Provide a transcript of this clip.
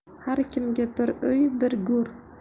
har kimga bir uy bir go'r